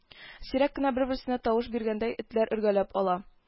Сирәк кенә бер-берсенә тавыш биргәндәй этләр өргәләп ала